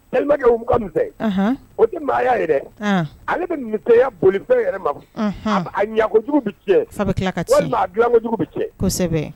Likɛ o tɛ maaya yɛrɛ ale bɛya boli fɛn yɛrɛ ma a ɲ jugu bɛ sabu tila kalan kojugu bɛ kosɛbɛ